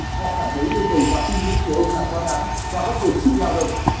họ cảm thấy yêu cầu và suy nghĩ của ông là quá đáng và bóc lột sức lao động